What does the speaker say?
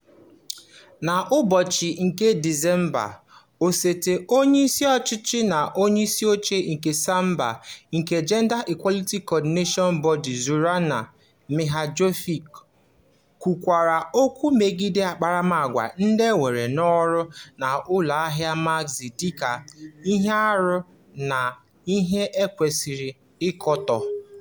N'ụbọchị 31 nke December, Osote Onyeịsi Ọchịchị na Onyeisioche nke Serbia nke Gender Equality Coordination Body, Zorana Mihajlović, kwukwara okwu megide akparamaagwa ndị eweere n'ọrụ n'ụlọahịa Maxi dịka "ihe arụ na ihe e kwesịrị ịkọtọ.